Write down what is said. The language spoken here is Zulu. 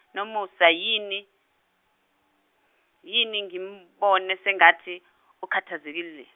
Nomusa yini, yini ngimbone sengathi ukhathazekile.